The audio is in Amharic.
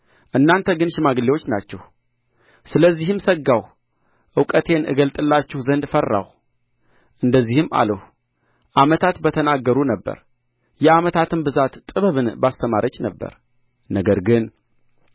እናንተ ግን ሽማግሌዎች ናችሁ ስለዚህም ሰጋሁ እውቀቴን እገልጥላችሁ ዘንድ ፈራሁ እንደዚህም አልሁ ዓመታት በተናገሩ ነበር የዓመታትም ብዛት ጥበብን ባስተማረች ነበር ነገር ግን